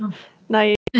Nai